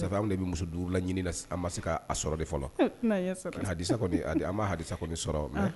De bɛ muso dugu la ɲinin an ma se k' a sɔrɔ de fɔlɔ hasa kɔni an ma hasa kɔni sɔrɔ